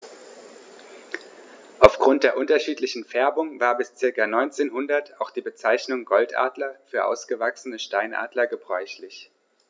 Auf Grund der unterschiedlichen Färbung war bis ca. 1900 auch die Bezeichnung Goldadler für ausgewachsene Steinadler gebräuchlich.